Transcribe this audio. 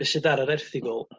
be sydd ar yr erthygl